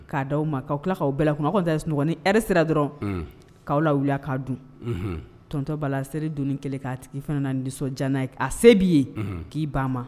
K'a di aw ma'aw tilakawaw bɛlakun aw sunɔgɔ e sira dɔrɔn k'aw la' dun ttɔ b' la seridni kelen k ka k' fana nisɔn jan ye a se b'i ye k'i ba ma